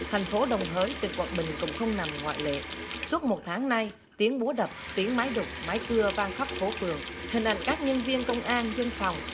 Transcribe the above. thành phố đồng hới tỉnh quảng bình cũng không nằm ngoại lệ suốt một tháng nay tiếng búa đập tiếng máy đục máy cưa vang khắp phố phường hình ảnh các nhân viên công an dân phòng